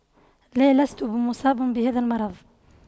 لا لست بمصاب بهذا المرض